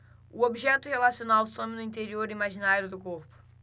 o objeto relacional some no interior imaginário do corpo